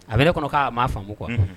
A bɛ ne kɔnɔ' maa faamu kɔnɔ